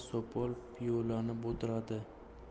turib xumga sopol piyolani botiradi